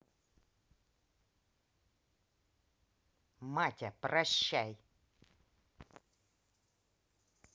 маття прощай